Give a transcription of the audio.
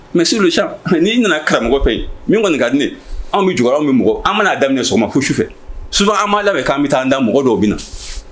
Sur le champ n'i nana karamɔgɔ fɛ yen, min kɔnni ka di ne ye, anw bɛ jɔ yɔrɔ min mɔgɔ, an ma n'a daminɛ fo sufɛ, Souvent an b'an labɛn k'an bɛ taa an da, mɔgɔ dɔw bɛ na.